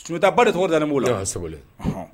Sunjatata ba tɔgɔ da ni b' la a segu